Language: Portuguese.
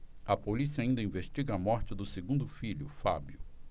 a polícia ainda investiga a morte do segundo filho fábio